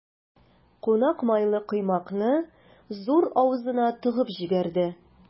Кунак майлы коймакны зур авызына тыгып җибәрде.